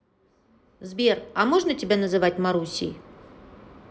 сбер а можно тебя называть марусей